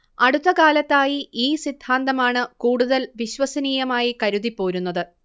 അടുത്ത കാലത്തായി ഈ സിദ്ധാന്തമാണ് കൂടുതൽ വിശ്വസനീയമായി കരുതിപ്പോരുന്നത്